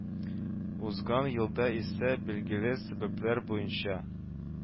Узган елда исә, билгеле сәбәпләр буенча